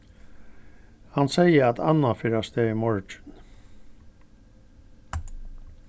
hann segði at anna fer avstað í morgin